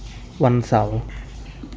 วันเสาร์